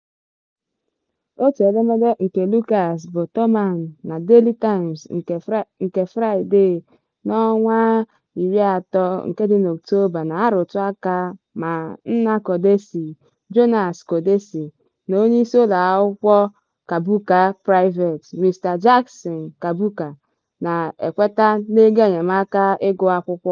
Otu edemede nke Lucas Bottoman na Daily Times nke Fraịdee October 30th na-arutuaka ma nna Kondesi, Jonas Kondesi, na Onyeisi ụlọakwụkwọ Kaphuka Private, Mr. Jackson Kaphuka, na-ekwete n'egoenyemaka iguakwụkwọ.